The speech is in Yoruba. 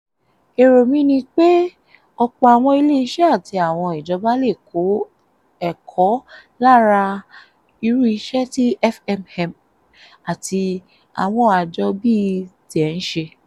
Èrò mi ni pé ọ̀pọ̀ àwọn ilé-iṣẹ́ àti àwọn ìjọba lè kọ́ ẹ̀kọ́ lára irú iṣẹ́ tí FMM àti àwọn àjọ bíi tiẹ̀ ń ṣe.